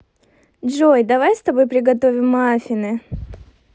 джой давай с тобой приготовим маффины